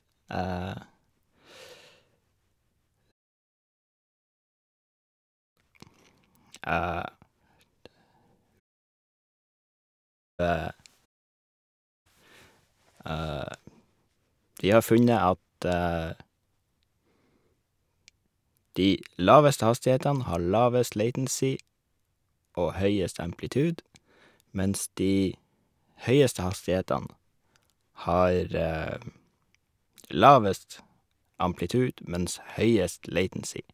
Vi har funnet at de laveste hastighetene har lavest latency og høyest amplitude, mens de høyeste hastighetene har lavest amplitude mens høyest latency.